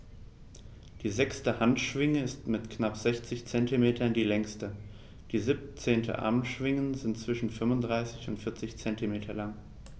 Die sechste Handschwinge ist mit knapp 60 cm die längste. Die 17 Armschwingen sind zwischen 35 und 40 cm lang.